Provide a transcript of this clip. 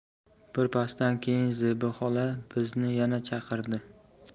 birpasdan keyin zebi xola bizni yana chaqirdi